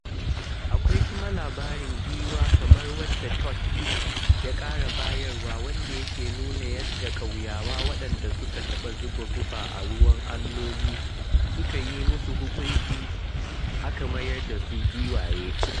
Akwai kuma labarin giwa kamar yadda Chhot Pich ya ƙara bayarwa wanda yake nuna yadda ƙauyawa waɗanda suka taɓa zuba guba a ruwa alloli suka yi musu hukunci aka mayar da su giwaye.